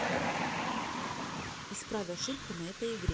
исправь ошибку на этой игре